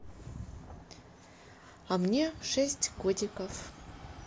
а мне шесть годиков